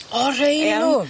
O rei nw! Iawn?